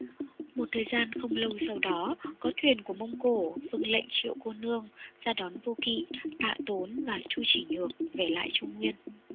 một thời gian không lâu sau đó có thuyền của mông cổ vâng lệnh triệu cô nương ra đón vô kỵ tạ tốn và chu chỉ nhược về lại trung nguyên